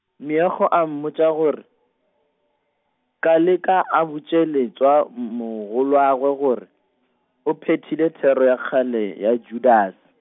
Meokgo a mmotša gor-, Koleka a botše Letšwa m- mogolwagwe gore, o phethile thero ya kgale ya Judase.